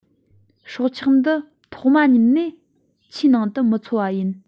སྲོག ཆགས འདི ཐོག མ ཉིད ནས ཆུ ནང དུ མི འཚོ བ ཡིན